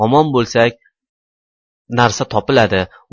omon bo'lsak narsa topiladi